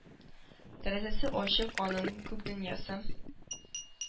Тәрәзәсе ачык аның; күк дөньясы